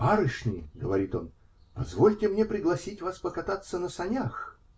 -- Барышни, -- говорит он, -- позвольте мне пригласить вас покататься на санях.